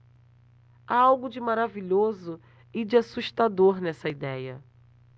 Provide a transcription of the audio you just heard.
há algo de maravilhoso e de assustador nessa idéia